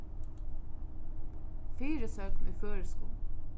fyrisøgn í føroyskum